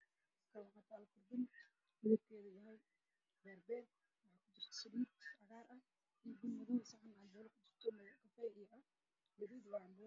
Waa dabqaad midadkiisu yahay qalin